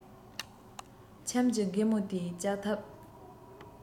ཁྱིམ གྱི རྒན མོ དེས ལྕགས ཐབ